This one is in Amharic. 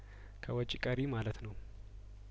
ከወጪ ቀሪ ማለት ነው